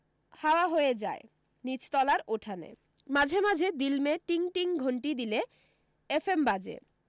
হাওয়া হয়ে যায় নিচতলার উঠানে মাঝে মাঝে দিল মে টিং টিং ঘন্টি দিলে এফএম বাজে